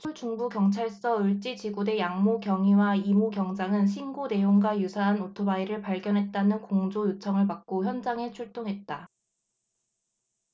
서울중부경찰서 을지지구대 양모 경위와 이모 경장은 신고 내용과 유사한 오토바이를 발견했다는 공조 요청을 받고 현장에 출동했다